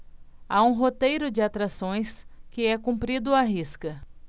há um roteiro de atrações que é cumprido à risca